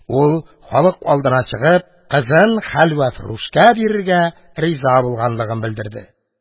Ул, халык алдына чыгып, кызын хәлвәфрүшкә бирергә риза булганлыгын белдерде.